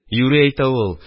Юри әйтә ул.